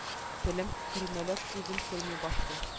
Телем көрмәлә күзем күрми башлый